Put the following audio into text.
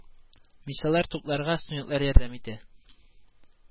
Мисаллар тупларга студентлар ярдәм итә